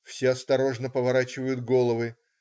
Все осторожно поворачивают головы.